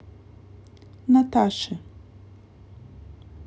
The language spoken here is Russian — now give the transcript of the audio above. наташи